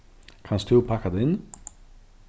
kanst tú pakka tað inn